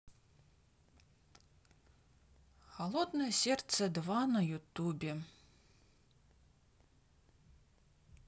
холодное сердце два на ютубе